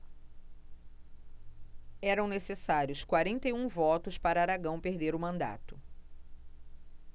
eram necessários quarenta e um votos para aragão perder o mandato